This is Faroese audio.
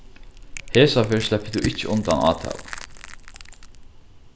hesaferð sleppur tú ikki undan átalu